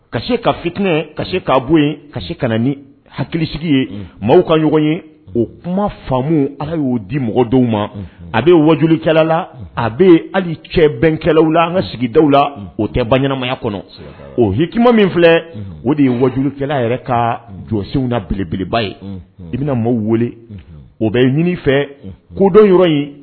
Ka se ka fit ka se k'a bɔ yen kasi ka na ni hakilisigi ye maaw ka ɲɔgɔn ye o kuma faamu ala y'o di mɔgɔ dɔw ma a bɛ wajukɛla la a bɛ hali cɛ bɛnkɛlaw la an ka sigida la o tɛ ban ɲɛnamaya kɔnɔ o hki min filɛ o de ye wajukɛla yɛrɛ ka jɔsiw na belebeleba ye i bɛna maaw weele o bɛ ɲini fɛ kodɔn yɔrɔ ye